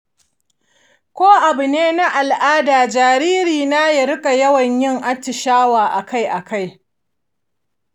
ko abu ne na al'ada jaririna ya rika yawan yin atishawa akai-akai?